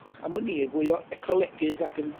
am wn i fwy o ecolegydd ac yn